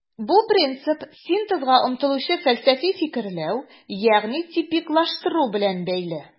Бу принцип синтезга омтылучы фәлсәфи фикерләү, ягъни типиклаштыру белән бәйле.